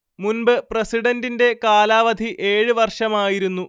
മുൻപ് പ്രസിഡന്റിന്റെ കാലാവധി ഏഴ് വർഷമായിരുന്നു